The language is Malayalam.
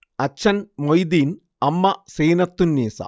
അച്ഛൻ മൊയ്സുദ്ദീൻ അമ്മ സീനത്തുന്നീസ